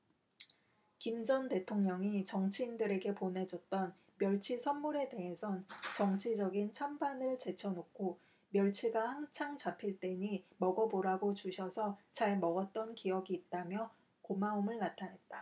김 전 대통령이 정치인들에게 보내줬던 멸치 선물에 대해선 정치적인 찬반을 제쳐놓고 멸치가 한창 잡힐 때니 먹어보라고 주셔서 잘 먹었던 기억이 있다며 고마움을 나타냈다